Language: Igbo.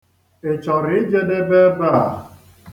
Ị chọrọ ijedebe ebe a?